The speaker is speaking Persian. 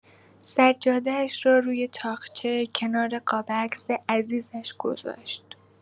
سجاده‌اش را روی طاقچه کنار قاب عکس عزیزش گذاشت.